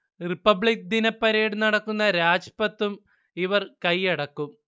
republic ദിന parade നടക്കുന്ന രാജ്പഥും ഇവർ കൈയടക്കും